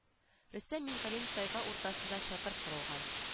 Рөстәм мингалим тайга уртасында чатыр корылган